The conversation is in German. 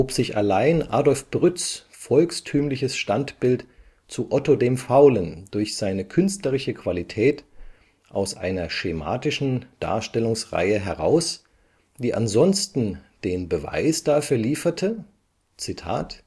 sich allein Adolf Brütts volkstümliches Standbild zu Otto dem Faulen durch seine künstlerische Qualität aus einer schematischen Darstellungsreihe heraus, die ansonsten den Beweis dafür lieferte, „ daß